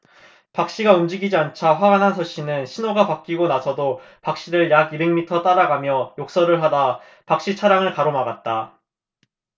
박씨가 움직이지 않자 화가 난 서씨는 신호가 바뀌고 나서도 박씨를 약 이백 미터 따라가며 욕설을 하다 박씨 차량을 가로막았다